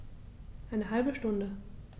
Eine halbe Stunde